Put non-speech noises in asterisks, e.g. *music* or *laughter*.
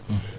*hesitation* *hesitation*